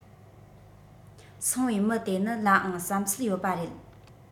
སངས བའི མི དེ ནི ལའང བསམ ཚུལ ཡོད པ རེད